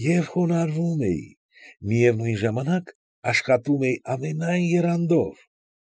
Եվ խոնարհվում էի։ Միևնույն ժամանակ աշխատում էի ամենայն եռանդով։